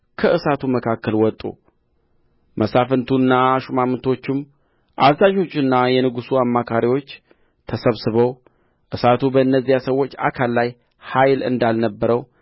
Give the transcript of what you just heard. ከእሳቱ መካከል ወጡ መሳፍንቱና ሹማምቶቹም አዛዦቹና የንጉሡ አማካሪዎች ተሰብስበው እሳቱ በእነዚያ ሰዎች አካል ላይ ኃይል እንዳልነበረው